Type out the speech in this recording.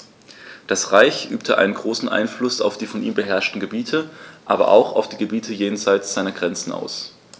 Das Reich übte einen großen Einfluss auf die von ihm beherrschten Gebiete, aber auch auf die Gebiete jenseits seiner Grenzen aus.